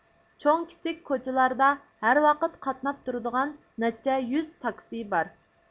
چوڭ كىچىك كوچىلاردا ھەر ۋاقىت قاتناپ تۇرىدىغان نەچچە يۈز تاكسى بار